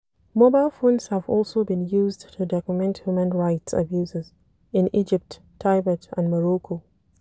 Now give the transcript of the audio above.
Mobile phones have also been used to document human rights abuses, in Egypt, Tibet and Morocco.